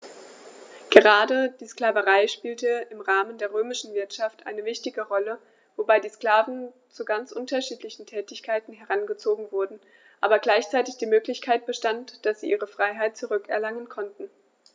Gerade die Sklaverei spielte im Rahmen der römischen Wirtschaft eine wichtige Rolle, wobei die Sklaven zu ganz unterschiedlichen Tätigkeiten herangezogen wurden, aber gleichzeitig die Möglichkeit bestand, dass sie ihre Freiheit zurück erlangen konnten.